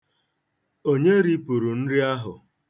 Onye ripụrụ nri ahụ?